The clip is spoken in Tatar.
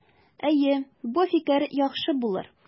Әйе, бу фикер яхшы булыр.